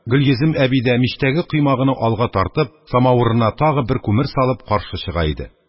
Гөлйөзем әби дә, мичтәге коймагыны алга тартып, самавырына тагы бер күмер салып, каршы чыга иде.